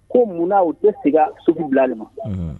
Ko munna tɛ se sugu bila ma